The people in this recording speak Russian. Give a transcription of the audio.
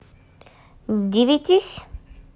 дивитись